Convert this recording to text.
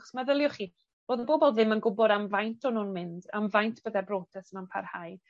Achos meddyliwch chi odd y bobol ddim yn gwbod am faint o'n nw'n mynd, am faint bydde'r brotest 'ma'n parhau.